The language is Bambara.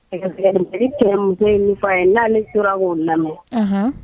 Ni sinamuso ye min f'a ye , n'ale tora k'o, iunhun. mɛn